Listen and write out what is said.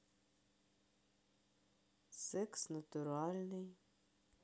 секс натуральный